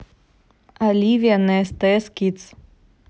оливия на стс кидс